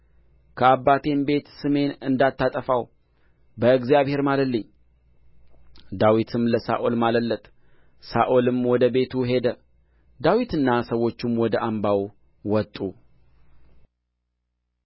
ከአባቴም ቤት ስሜን እንዳታጠፋው በእግዚአብሔር ማልልኝ ዳዊትም ለሳኦል ማለለት ሳኦልም ወደ ቤቱ ሄደ ዳዊትና ሰዎቹም ወደ አምባው ወጡ